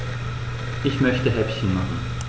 Ich möchte Häppchen machen.